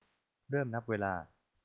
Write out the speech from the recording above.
เริ่มนับเวลา